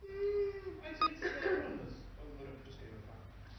Mm I'd say it's a seven... ... on the s- on the Richter scale of facts.